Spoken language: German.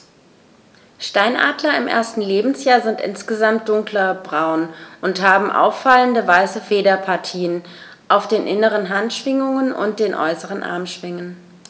Steinadler im ersten Lebensjahr sind insgesamt dunkler braun und haben auffallende, weiße Federpartien auf den inneren Handschwingen und den äußeren Armschwingen.